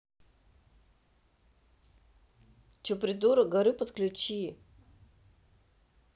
че придурок говорю подключи